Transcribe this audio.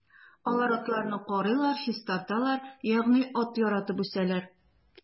Алар атларны карыйлар, чистарталар, ягъни ат яратып үсәләр.